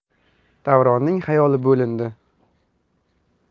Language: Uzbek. davronning xayoli bo'lindi